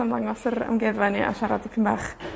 ...am ddangos yr amgueddfa i ni a siarad dipyn bach.